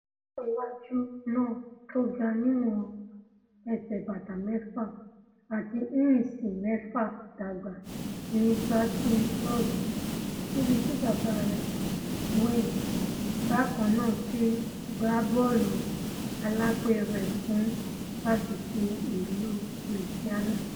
Onípo-iwáju náà tóga níwọ̀n ẹsẹ̀ bàtà mẹ́fà àti íǹsì mẹ́fà dàgbà ní Baton Rouge, nibiti bàbá rẹ̀, Wayne, bákannáà ti gbá bọ́ọ̀lù alápẹ̀rẹ̀ fún LSU.